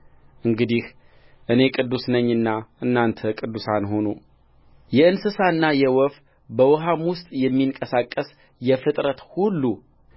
እንግዲህ እኔ ቅዱስ ነኝና እናንተ ቅዱሳን ሁኑየእንስሳና የወፍ በውኃም ውስጥ የሚንቀሳቀስ የፍጥረት ሁሉ